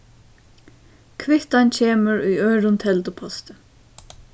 kvittan kemur í øðrum telduposti